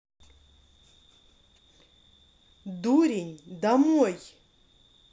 дурень домой